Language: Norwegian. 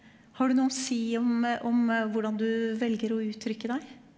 har du noen si om om hvordan du velger å uttrykke deg?